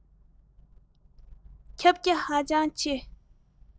ཁྱབ རྒྱ ཧ ཅང ཆེ